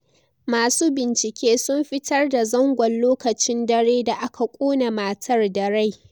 Masu bincike sun fitar da zangon lokacin dare da aka ƙona matar da rai